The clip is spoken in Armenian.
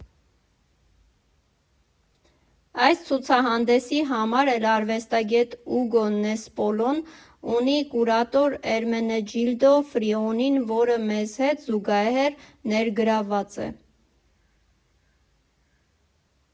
Այս ցուցահանդեսի համար էլ արվեստագետ Ուգո Նեսպոլոն ունի կուրատոր Էրմենեջիլդո Ֆրիոնին, որը մեզ հետ զուգահեռ ներգրավված է։